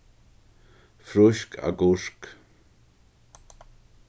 frísk agurk